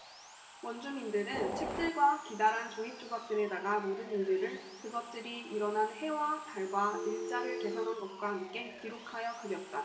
원주민들은 책들과 기다란 종잇조각들에다가 모든 일들을 그것들이 일어난 해와 달과 일자를 계산한 것과 함께 기록하여 그렸다